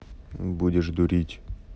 будешь дурить